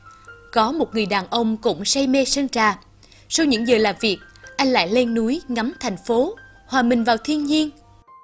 có một người đàn ông cũng say mê sơn trà sau những giờ làm việc anh lại lên núi ngắm thành phố hòa mình vào thiên nhiên